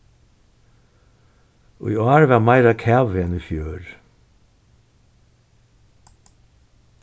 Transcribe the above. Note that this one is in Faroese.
í ár var meira kavi enn í fjør